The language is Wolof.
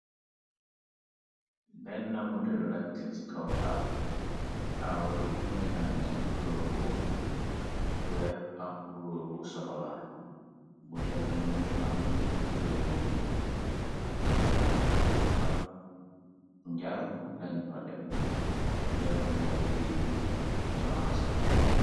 ben na butel lañ teg ci kaw taawul taawul bi mu ngi amee kulóoru wu weex ak kulóoru wu soxola butel bi mu ngi am kubeer bu ñuul ak njar lañu padel njar wi njaryi sorancela